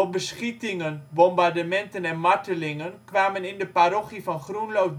beschietingen, bombardementen en martelingen kwamen in de parochie van Groenlo